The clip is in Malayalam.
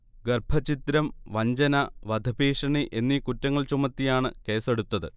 ഗർഭഛിദ്രം, വഞ്ചന, വധഭീഷണി എന്നീ കുറ്റങ്ങൾ ചുമത്തിയാണ് കേസെടുത്തത്